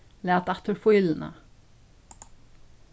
lat aftur fíluna